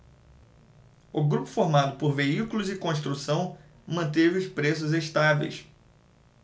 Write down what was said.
o grupo formado por veículos e construção manteve os preços estáveis